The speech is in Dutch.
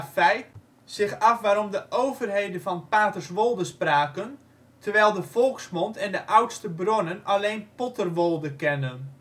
Feith zich af waarom de overheden van " Paterswolde " spraken terwijl de volksmond en de oudste bronnen alleen " Potterwolde " kenden